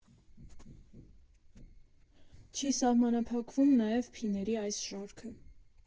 Չի սահմանափակվում նաև փիների այս շարքը։